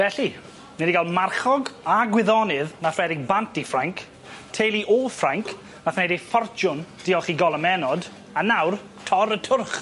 Felly, ni 'di ga'l marchog a gwyddonydd nath redeg bant i Ffrainc, teulu o Ffrainc, nath neud eu ffortiwn diolch i golomennod, a nawr, Tor y Twrch.